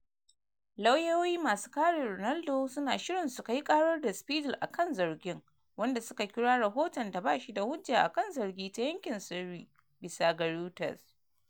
Lauyoyi masu kare Ronaldo su na shirin su kai ƙarar Der Spiegel akan zargin, wanda suka kira “Rihoton da bashi da hujja akan zargi ta yankin sirri,” bisa ga Reuters.